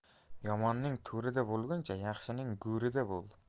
yomonning to'rida bo'lguncha yaxshining go'rida bo'l